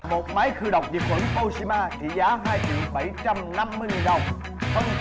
một máy khử độc diệt khuẩn tô si ba trị giá hai triệu bảy trăm năm mươi nghìn đồng phần